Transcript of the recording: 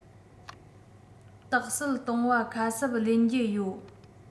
རྟགས གསལ གཏོང བ ཁ གསབ ལེན རྒྱུ ཡོད